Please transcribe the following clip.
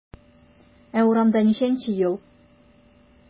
Ә урамда ничәнче ел?